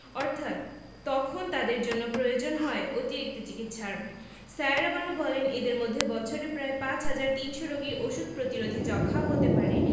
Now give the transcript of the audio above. অর্থাৎ তখন তাদের জন্য প্রয়োজন হয় অতিরিক্ত চিকিৎসার সায়েরা বানু বলেন এদের মধ্যে বছরে প্রায় ৫ হাজার ৩০০ রোগীর ওষুধ প্রতিরোধী যক্ষ্মা হতে পারে